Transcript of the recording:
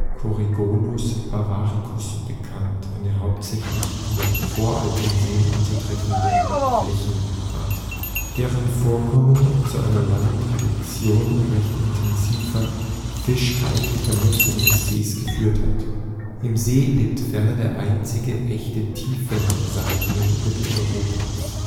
Coregonus bavaricus) bekannt, eine hauptsächlich in den Voralpenseen anzutreffende Felchenart, deren Vorkommen zu einer langen Tradition recht intensiver fischereilicher Nutzung des Sees geführt hat. Im See lebt ferner der einzige echte Tiefensaibling Mitteleuropas